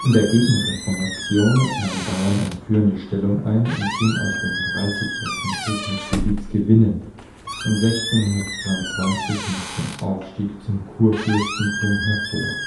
der Gegenreformation nahm Bayern eine führende Stellung ein und ging aus dem Dreißigjährigen Krieg mit Gebietsgewinnen und 1623 mit dem Aufstieg zum Kurfürstentum hervor